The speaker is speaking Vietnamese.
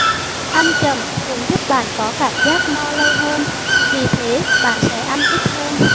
ăn chậm cũng giúp bạn có cảm giác no lâu hơn vì thế bạn sẽ ăn ít hơn